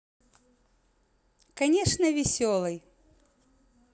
конечно веселей